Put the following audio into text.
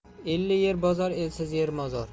elli yer bozor elsiz yer mozor